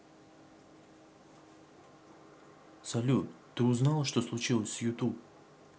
салют ты узнала что случилось с youtube